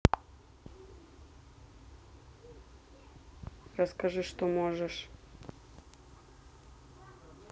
расскажи что можешь